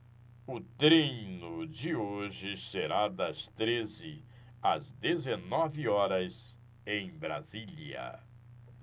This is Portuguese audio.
o treino de hoje será das treze às dezessete horas em brasília